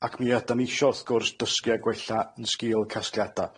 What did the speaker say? Ac mi ydan isio wrth gwrs, dysgu a gwella yn sgil casgliada'.